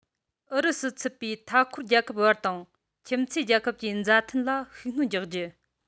ཨུ རུ སུ ཚུད པའི མཐའ འཁོར རྒྱལ ཁབ བར དང ཁྱིམ མཚེས རྒྱལ ཁབ ཀྱི མཛའ མཐུན ལ ཤུགས སྣོན རྒྱག རྒྱུ